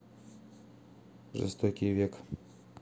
жестокий век